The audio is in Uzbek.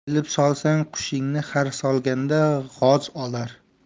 bilib solsang qushingni har solganda g'oz olar